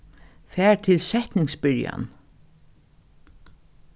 far til setningsbyrjan